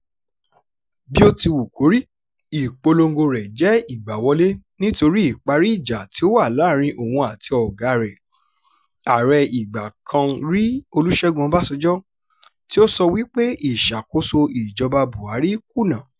Bí ó ti wù kórí, ìpolongo rẹ̀ jẹ́ ìgbàwọlé nítorí ìparí ìjà tí ó wà làárín òun àti ọ̀gáa rẹ̀, Ààrẹ ìgbà kan rí Olusegun Obasanjo — tí ó sọ wí pé ìṣàkóso ìjọba Buhari kùnà.